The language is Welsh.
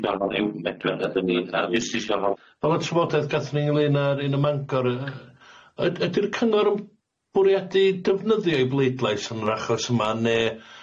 trafodaeth gathon ni ynglyn â'r un ym Mangor yy yd- ydi'r cyngor yn bwriadu defnyddio'i bleidlais yn yr achos yma ne'